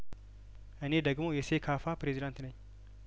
እኔ ደግሞ የሴካፋ ፕሬዚዳንት ነኝ